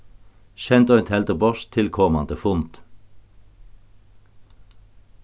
send ein teldupost til komandi fund